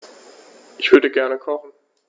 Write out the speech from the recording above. Ich würde gerne kochen.